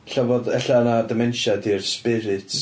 Ella fod... Ella 'na dementia di'r spirits.